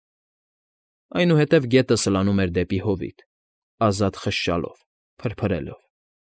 Այնուհետև գետը սլանում էր դեպի հովիտ՝ ազատ խշշալով, փրփրելով։